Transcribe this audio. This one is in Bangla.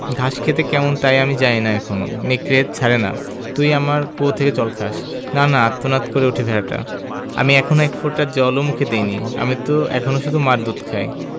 ঘাস খেতে কেমন তাই আমি জানি না এখনো নেকড়ে ছাড়ে না তুই আমার কুয়ো থেকে জল খাস না না আর্তনাদ করে ওঠে ভেড়াটা আমি এখনো এক ফোঁটা জল ও মুখে দিইনি আমি ত এখনো শুধু মার দুধ খাই